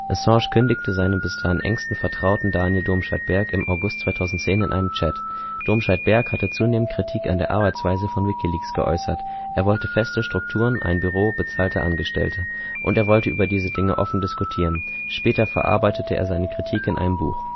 Assange kündigte seinem bis dahin engsten Vertrauten Daniel Domscheit-Berg im August 2010 in einem Chat. Domscheit-Berg hatte zunehmend Kritik an der Arbeitsweise von Wikileaks geäußert: er wollte feste Strukturen, ein Büro, bezahlte Angestellte. Und er wollte über diese Dinge offen diskutieren. Später verarbeitete er seine Kritik in einem Buch